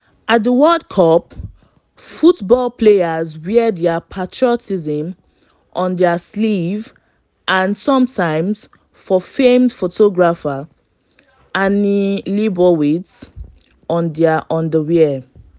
At the World Cup, football players wear their patriotism on their sleeve and sometimes, for famed photographer Annie Leibowitz, on their underwear.